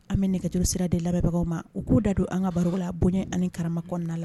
An me nɛgɛjurusira di lamɛbagaw ma u k'u da don an ŋa baro la boɲɛ ani karama kɔɔna la